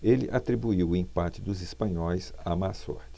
ele atribuiu o empate dos espanhóis à má sorte